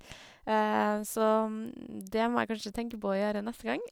Så det må jeg kanskje tenke på å gjøre neste gang.